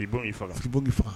I'i bɔ'i faga i bɔ' faga